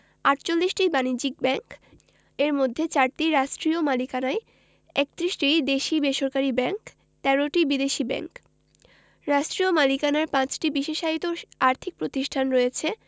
৪৮টি বাণিজ্যিক ব্যাংক এর মধ্যে ৪টি রাষ্ট্রীয় মালিকানায় ৩১টি দেশী বেসরকারি ব্যাংক ১৩টি বিদেশী ব্যাংক রাষ্ট্রীয় মালিকানার ৫টি বিশেষায়িত আর্থিক প্রতিষ্ঠান রয়েছে